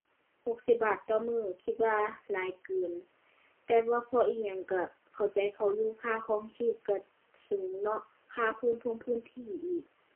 หกสิบบาทต่อมื้อ คิดว่าหลายเกิน แต่ว่าเพราะอิหยังก็เข้าใจเขาอยู่ ค่าครองชีพก็สูงเนาะ ค่าพื้นท่งพื้นที่อีก